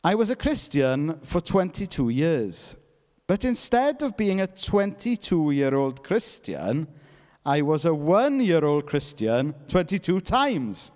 I was a Christian for 22 years, but instead of being a 22-year-old Christian I was a 1-year-old Christian 22 times.